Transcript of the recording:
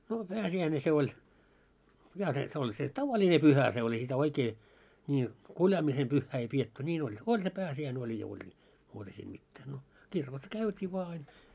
no pääsiäinen se oli ja se on se tavallinen pyhä se oli ei sitä oikein niin kuljaamisen pyhää ei pidetty niin oli oli se pääsiäinen oli ja oli niin muuta siinä mitään no kirkossa käytiin vain aina